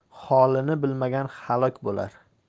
holini bilmagan halok bo'lar